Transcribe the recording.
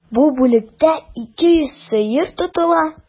Бу бүлектә 200 сыер тотыла.